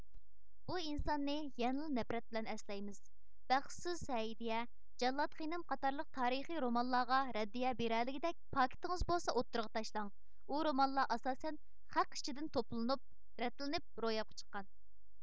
بۇ ئىنساننى يەنىلا نەپرەت بىلەن ئەسلەيمىز بەختسىز سەئىدىيە جاللات خېنىم قاتارلىق تارىخى رومانلارغا رەددىيە بېرەلىگىدەك پاكىتىڭىز بولسا ئوتتۇرغا تاشلاڭ ئۇ رومانلار ئاساسەن خەق ئىچىدىن توپلىنىپ رەتلىنىپ روياپقا چىققان